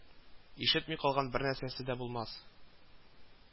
Ишетми калган бернәрсәсе дә булмас